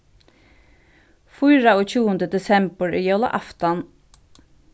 fýraogtjúgundi desembur er jólaaftan